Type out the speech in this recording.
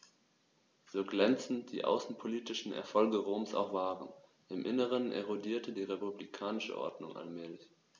So glänzend die außenpolitischen Erfolge Roms auch waren: Im Inneren erodierte die republikanische Ordnung allmählich.